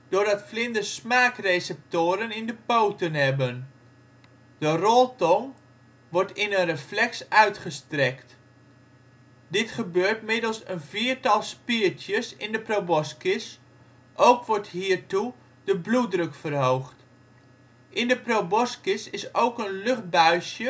doordat vlinders smaakreceptoren in de poten hebben. De roltong wordt in een reflex uitgestrekt, dit gebeurt middels een viertal spiertjes in de proboscis, ook wordt hiertoe de bloeddruk verhoogd. In de proboscis is ook een luchtbuisje